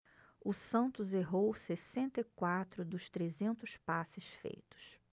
o santos errou sessenta e quatro dos trezentos passes feitos